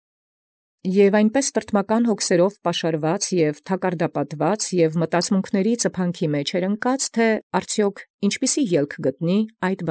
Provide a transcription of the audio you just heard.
Եւ այնպէս տրտմական հոգովք պաշարեալ և թակարդապատեալ և անկեալ ի ծուփս խորհրդոց, եթէ որպիսի՛ արդեաւք ելս իրացն գտանիցէ։